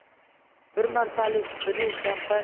bir martalik pr